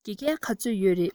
དགེ རྒན ག ཚོད ཡོད ན